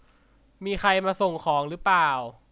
มีใครมาส่งของรึเปล่า